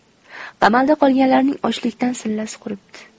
qamalda qolganlarning ochlikdan sillasi quribdi